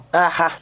ahah